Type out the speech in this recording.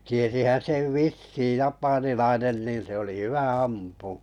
tiesihän sen vissiin japanilainen niin se oli hyvä ampumaan